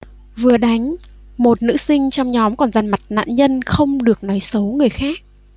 vừa đánh một nữ sinh trong nhóm còn dằn mặt nạn nhân không được nói xấu người khác